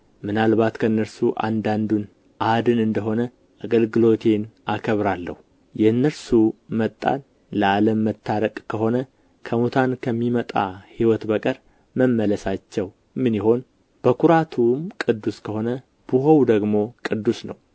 ምናልባት ከእነርሱ አንዳንዱን አድን እንደሆነ አገልግሎቴን አከብራለሁ የእነርሱ መጣል ለዓለም መታረቅ ከሆነ ከሙታን ከሚመጣ ሕይወት በቀር መመለሳቸው ምን ይሆን በኵራቱም ቅዱስ ከሆነ ብሆው ደግሞ ቅዱስ ነው